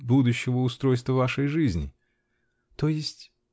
будущего устройства вашей жизни. -- То есть.